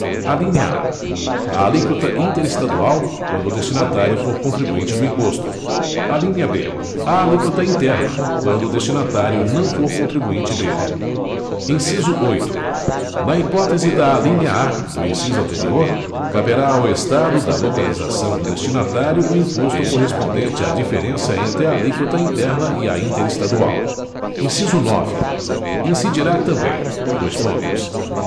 alínea a a alíquota interestadual quando o destinatário for contribuinte do imposto alínea b a alíquota interna quando o destinatário não for contribuinte dele inciso oito na hipótese da alínea a do inciso anterior caberá ao estado da localização do destinatário o imposto correspondente à diferença entre a alíquota interna e a interestadual inciso nove incidirá também dois pontos